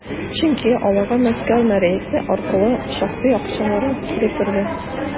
Чөнки аларга Мәскәү мэриясе аркылы шактый акчалар килеп торды.